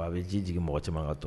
A bɛ ji jigin mɔgɔ caaman ka to